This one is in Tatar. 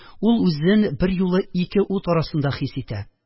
Ул үзен берьюлы ике ут арасында хис итә